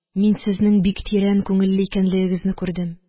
Мин сезнең бик тирән күңелле икәнлегеңезне күрдем